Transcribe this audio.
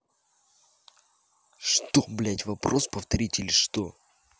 что блядь вопрос повторить или что